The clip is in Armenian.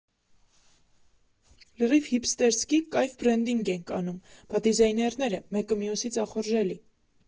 Լրիվ հիփստերսկի, կայֆ բրենդինգ ենք անում, բա դիզայներները՝ մեկը մյուսից ախորժելի։